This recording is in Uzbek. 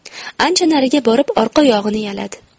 ancha nariga borib orqa oyog'ini yaladi